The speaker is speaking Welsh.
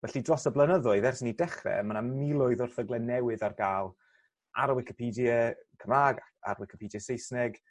Felly dros y blynyddoedd ers i ni dechre ma' 'na miloedd o erthygle newydd ar ga'l ar y wicipedie Cymra'g ar wicipedia Saesneg